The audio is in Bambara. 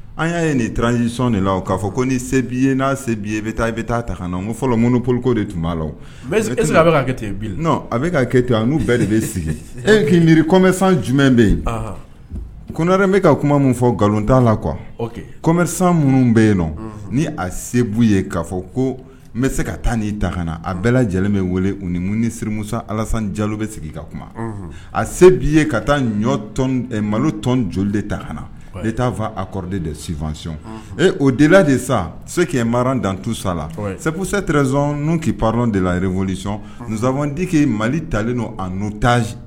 An y'a nin tranjisɔn de la o k'a fɔ ko sei n'a seiye bɛ taa i bɛ taa ta na fɔlɔ minnuoli de tun b'a la a bɛ ke to n bɛɛ de bɛ sigi e kin miiriri kɔmmɛ san jumɛn bɛ yen konɛ bɛ ka kuma min fɔ nkalonta la qu kɔmmɛ san minnu bɛ yen nɔn ni a se ye k ka fɔ ko n bɛ se ka taa n' taana a bɛɛ lajɛlen min wele u ni mun nisiri musa alaz jalo bɛ sigi ka kuma a se bi ye ka taa ɲɔ malo tɔnon joli de taana e t'a fɔ a kɔrɔ de de sifasɔn ee o dela de sa se kma dan tusa la segukisɛ tresonon n kiba panr de laresɔn nsabandike mali talen don ataz